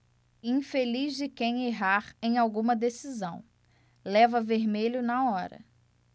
infeliz de quem errar em alguma decisão leva vermelho na hora